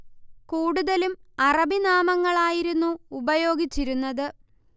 കൂടുതലും അറബി നാമങ്ങൾ ആയിരുന്നു ഉപയോഗിച്ചിരുന്നത്